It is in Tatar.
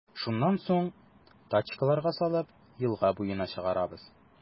Шуннан соң, тачкаларга салып, елга буена чыгарабыз.